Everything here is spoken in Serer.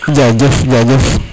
jajef jajef